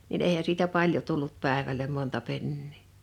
niin eihän siitä paljon tullut päivälle monta penniä